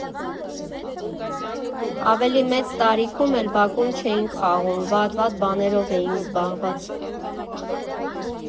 Ավելի մեծ տարիքում էլ բակում չէինք խաղում՝ «վատ֊վատ» բաներով էինք զբաղված։